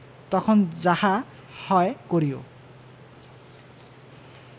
তখন যাহা হয় করিও